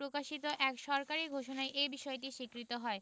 প্রকাশিত এক সরকারি ঘোষণায় এ বিষয়টি স্বীকৃত হয়